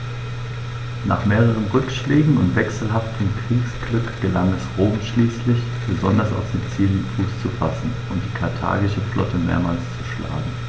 Nach mehreren Rückschlägen und wechselhaftem Kriegsglück gelang es Rom schließlich, besonders auf Sizilien Fuß zu fassen und die karthagische Flotte mehrmals zu schlagen.